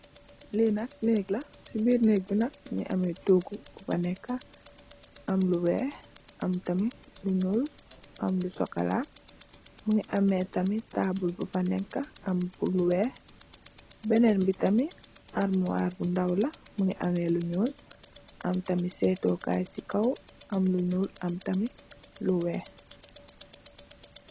li nak neeg la si birr neeg bi nak mongi ame togu bu fa neka am lu weex lu nuul am tamit lu cxocola mongi ame tamit tabul bu fa neka am ku weex benen bi tamit almwor bu ndaw kaw am lu nuul am tamit seetu kai si kaw am lu nuul am tamit lu weex.